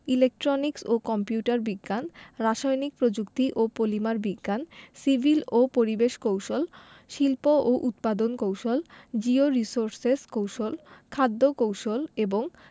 electronics ও computer বিজ্ঞান রাসায়নিক প্রযুক্তি ও পলিমার বিজ্ঞান সিভিল ও পরিবেশ কৌশল শিল্প ও উৎপাদন কৌশল জিওরির্সোসেস কৌশল খাদ্য কৌশল এবং